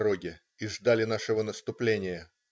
дороге, и ждали нашего наступления.